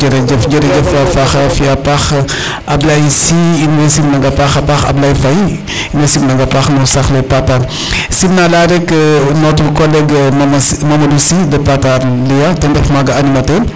Jerejef a faaxa fi'a paax Ablaye Sy in way simnang a paax a paax. Ablaye Faye in way simnang a paax no saxle Patar simnale'aa rek notre collegue Mamadou Sy depuis Patar ten ref maga Animateur.